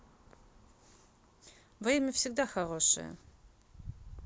время всегда хорошее